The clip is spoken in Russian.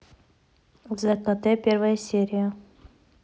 зкд первая серия